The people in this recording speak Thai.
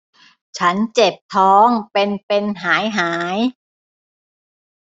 ฉันเจ็บท้องเป็นเป็นหายหาย